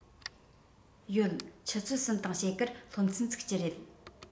ཡོད ཆུ ཚོད གསུམ དང ཕྱེད ཀར སློབ ཚན ཚུགས ཀྱི རེད